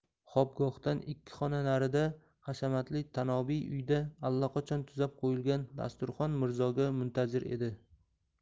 xobgohdan ikki xona narida hashamatli tanobiy uyda allaqachon tuzab qo'yilgan dasturxon mirzoga muntazir edi